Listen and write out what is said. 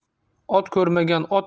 ot ko'rmagan ot